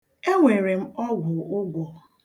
Enwere m ọgwụ ụgwọ.